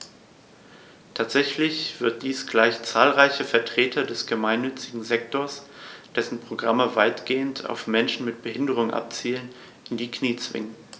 Tatsächlich wird dies gleich zahlreiche Vertreter des gemeinnützigen Sektors - dessen Programme weitgehend auf Menschen mit Behinderung abzielen - in die Knie zwingen.